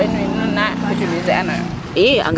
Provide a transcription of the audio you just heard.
a tos ale nu na utiliser anooyo?